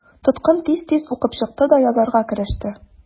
Тоткын тиз-тиз укып чыкты да язарга кереште.